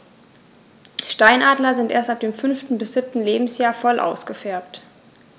Steinadler sind erst ab dem 5. bis 7. Lebensjahr voll ausgefärbt.